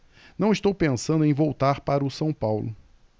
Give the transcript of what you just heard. não estou pensando em voltar para o são paulo